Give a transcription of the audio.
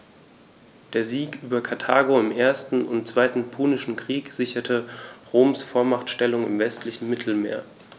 Der Sieg über Karthago im 1. und 2. Punischen Krieg sicherte Roms Vormachtstellung im westlichen Mittelmeer.